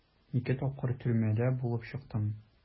Ике тапкыр төрмәдә булып чыктым.